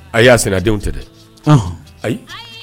Ayi aa segin a denw tɛ dɛ ayi